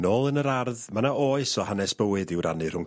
Nôl yn yr ardd ma' 'na oes o hanes bywyd i'w rannu rhwng...